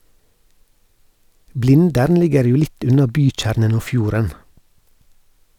Blindern ligger jo litt unna bykjernen og fjorden.